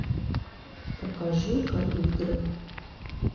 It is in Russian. покажи ка игры